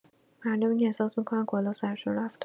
مردمی که احساس می‌کنن کلاه سرشون رفته.